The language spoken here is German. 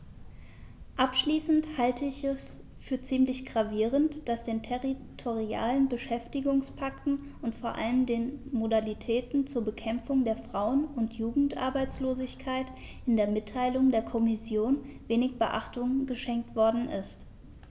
Abschließend halte ich es für ziemlich gravierend, dass den territorialen Beschäftigungspakten und vor allem den Modalitäten zur Bekämpfung der Frauen- und Jugendarbeitslosigkeit in der Mitteilung der Kommission wenig Beachtung geschenkt worden ist.